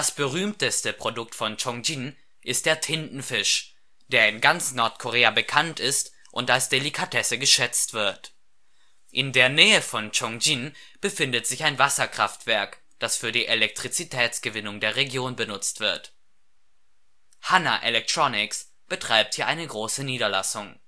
berühmteste Produkt von Ch’ ŏngjin ist der Tintenfisch, der in ganz Nordkorea bekannt ist und als Delikatesse geschätzt wird. In der Nähe von Ch'ŏngjin befindet sich ein Wasserkraftwerk, das für die Elektrizitätsgewinnung der Region genutzt wird. Hana Electronics betreibt hier eine große Niederlassung